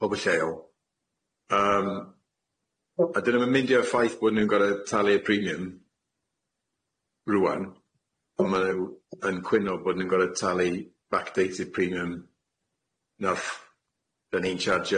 pobol lleol yym a dyna ma'n myndio i'r ffaith bo' nw'n gor'o' talu'r premium rŵan on' ma' n'w yn cwyno bod nw'n gor'o' talu backdated premium nath dyn ni'n charjio